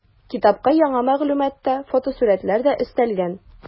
Китапка яңа мәгълүмат та, фотосурәтләр дә өстәлгән.